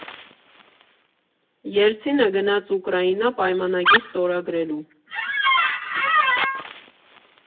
Ելցինը գնաց Ուկրաինա՝ պայմանագիր ստորագրելու։